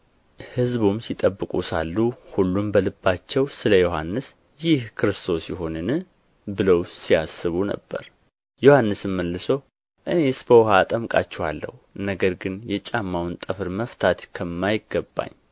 ሕዝቡም ሲጠብቁ ሳሉ ሁሉም በልባቸው ስለ ዮሐንስ ይህ ክርስቶስ ይሆንን ብለው ሲያስቡ ነበር ዮሐንስ መልሶ እኔስ በውኃ አጠምቃችኋለሁ ነገር ግን የጫማውን ጠፍር መፍታት ከማይገባኝ